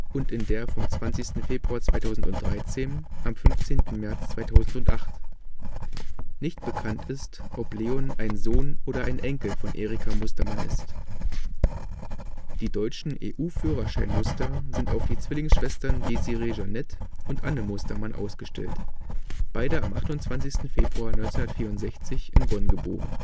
und in der vom 20. Februar 2013 am 15. März 2008. Nicht bekannt ist, ob Leon ein Sohn oder ein Enkel von Erika Mustermann ist. Die deutschen EU-Führerschein-Muster sind auf die Zwillingsschwestern Desiré Jeanette und Anne Mustermann ausgestellt, beide am 28. Februar 1964 in Bonn geboren